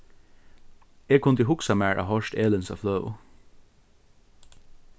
eg kundi hugsað mær at hoyrt elinsa fløgu